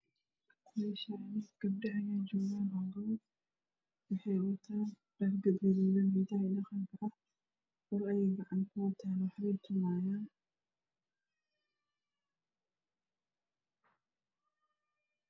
Meeshaani gabdho ayaa joogan waxay wataan Dhar guduunan hidaha iyo dhaqanka ul ayey gacanta ku wataan waxbey tumayaam